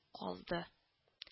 Калды